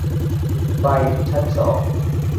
ปิดไฟชั้นสอง